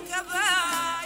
Nba